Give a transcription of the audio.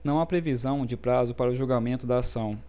não há previsão de prazo para o julgamento da ação